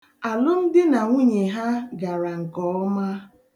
Alụmdinanwunye ha gara nkeọma.